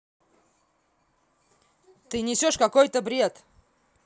ты несешь какой то бред